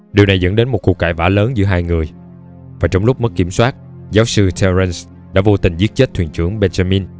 điều này dẫn đến một cuộc cãi vã lớn giữa hai người và trong lúc mất kiểm soát giáo sư terence đã vô tình giết chết thuyền trưởng benjamin